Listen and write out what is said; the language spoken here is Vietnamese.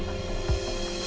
đi